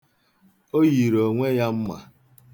O yiri onwe ya mma.